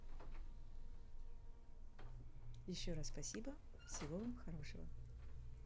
еще раз спасибо всего вам хорошего